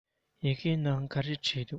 ཡི གེའི ནང ག རེ བྲིས འདུག